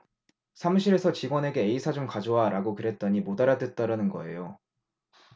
사무실에서 직원에게 에이사 좀 가져와라고 그랬더니 못 알아듣더라는 거예요